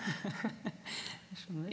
jeg skjønner.